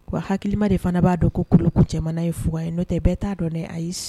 Wa hakilikilima de fana b'a dɔn ko kulukulu cɛman ye fug ye n'o tɛ bɛɛ t'a dɔn ayi ye